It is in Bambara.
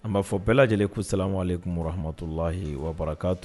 An b'a fɔ bɛɛ lajɛlen ko Salamou aleïkoum wa rahmatoullah wa barakaatou